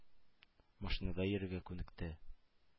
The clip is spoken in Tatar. Машинада йөрергә күнекте,